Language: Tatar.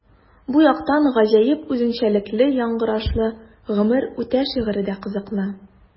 Бу яктан гаҗәеп үзенчәлекле яңгырашлы “Гомер үтә” шигыре дә кызыклы.